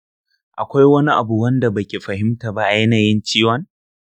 akwai wani abu wadda baki fahimta ba a yanayin ciwon?